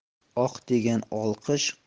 oq degan olqish